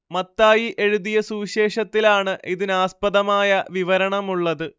മത്തായി എഴുതിയ സുവിശേഷത്തിലാണ് ഇതിനാസ്പദമായ വിവരണമുള്ളത്